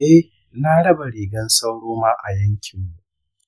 eh, na raba rigan sauro ma a yankinmu.